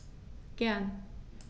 Gern.